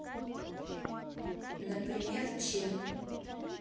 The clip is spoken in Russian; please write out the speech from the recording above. например чем